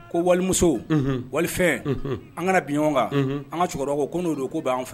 Ko walimuso, unhun, walifɛn, unhun, an kana bin ɲɔgɔn kan, unhun, an ka cɛkɔrɔba ko, n'o don, k'o n'olu don ko b' an fɛ yan.